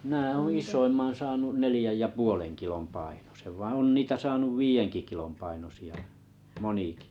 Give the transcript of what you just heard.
minä olen isoimman saanut neljän ja puolen kilon painoisen vaan on niitä saanut viidenkin kilon painoisia monikin